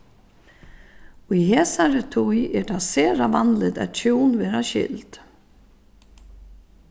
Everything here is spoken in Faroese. í hesari tíð er tað sera vanligt at hjún verða skild